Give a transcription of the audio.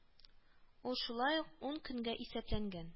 Ул шулай ук ун көнгә исәпләнгән